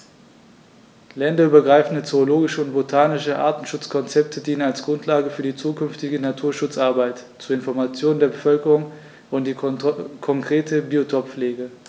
Länderübergreifende zoologische und botanische Artenschutzkonzepte dienen als Grundlage für die zukünftige Naturschutzarbeit, zur Information der Bevölkerung und für die konkrete Biotoppflege.